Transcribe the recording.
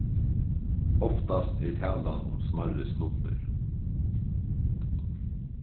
oftast er talan um smærri snuddir